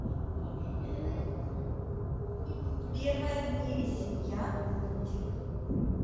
первая в мире семья мультик